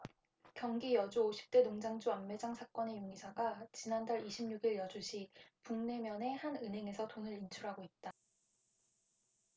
경기 여주 오십 대 농장주 암매장 사건의 용의자가 지난달 이십 육 일 여주시 북내면의 한 은행에서 돈을 인출하고 있다